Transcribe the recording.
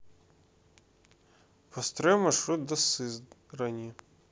построй маршрут до сызрани